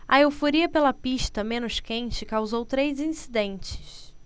a euforia pela pista menos quente causou três incidentes